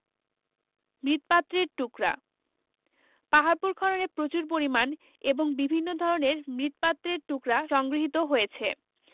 মৃৎপাত্রের টুকরাঃ পাহাড়পুর খননে প্রচুর পরিমাণ এবং বিভিন্ন ধরনের মৃৎপাত্রের টুকরা সংগৃহীত হয়েছে